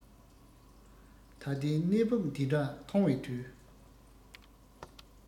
ད ལྟའི གནས བབས འདི འདྲ མཐོང བའི དུས